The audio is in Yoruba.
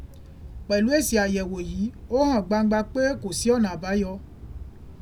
Pẹ̀lú èsì àyẹ̀wò yìí, ó hàn gbangba pé kò sí ọ̀nà àbáyọ.